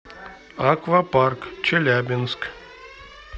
аквапарк челябинск